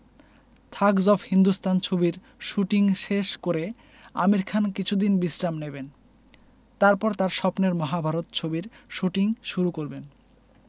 Thugs of Hindustan ছবির shooting শেষ করে আমির খান কিছুদিন বিশ্রাম নেবেন তারপর তাঁর স্বপ্নের মহাভারত ছবির শুটিং শুরু করবেন